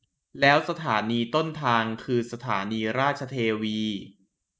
ถ้าสถานีต้นทางคือสถานีราชเทวี